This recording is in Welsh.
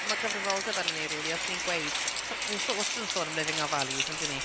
Mae gyfrifoldeb arno ni rili os ni'n gweud... Timod ni'n so- wastad yn sôn am living our values yndyn ni?